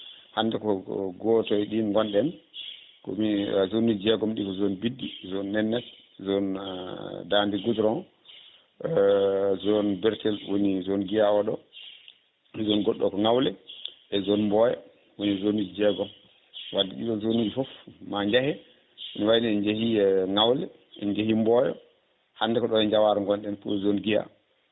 hande ko ko goto e ɗin gonɗen komi zone uji jeegom ɗi zone Biddi zone Nennete zone Dande goudron % zone bortel woni zone Guiya oɗo zone goɗɗo o ko Ngawle e zone Mboya woni zone uji jeegom wadde ɗiɗo zone uji foof ma jeehe ene wayno ne jeehi Ngawle en jeeyi Mboyo hande ko ɗo Diawara gonɗen pour zone Guiya